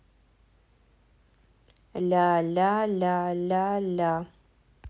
ля ля ля ля ля ля